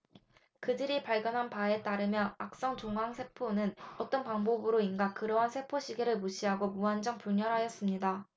그들이 발견한 바에 따르면 악성 종양 세포는 어떤 방법으로인가 그러한 세포 시계를 무시하고 무한정 분열하였습니다